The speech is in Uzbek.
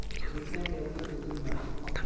o'tgan gapga o'kinma